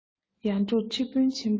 ཡར འབྲོག ཁྲི དཔོན ཆེན པོས